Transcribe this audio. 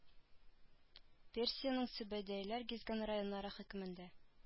Персиянең сүбәдәйләр гизгән районнары хөкемендә